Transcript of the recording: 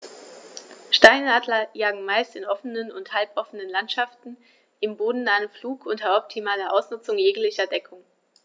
Steinadler jagen meist in offenen oder halboffenen Landschaften im bodennahen Flug unter optimaler Ausnutzung jeglicher Deckung.